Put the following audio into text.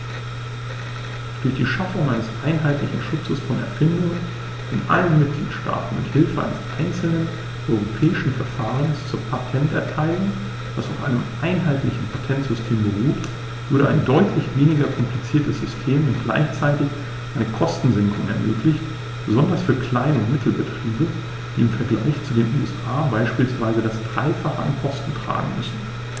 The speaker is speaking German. Durch die Schaffung eines einheitlichen Schutzes von Erfindungen in allen Mitgliedstaaten mit Hilfe eines einzelnen europäischen Verfahrens zur Patenterteilung, das auf einem einheitlichen Patentsystem beruht, würde ein deutlich weniger kompliziertes System und gleichzeitig eine Kostensenkung ermöglicht, besonders für Klein- und Mittelbetriebe, die im Vergleich zu den USA beispielsweise das dreifache an Kosten tragen müssen.